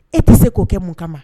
E tɛ se k'o kɛ mun kama ma?